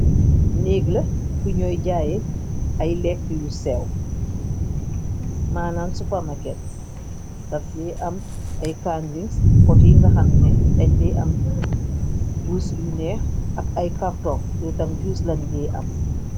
Neeg la fi ñooy jaaye ay lekk yu seew, manan supermaket, daf dey am ay kandrinks, pot yi nga hamne dañ dey am juus yu neex, ak ay carton, yuy tam juus lam de am.